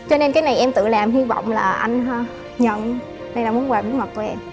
cho nên cái này em tự làm hy vọng là anh ha nhận đây là món quà bí mật của em